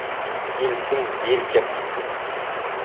elchin yelka qisdi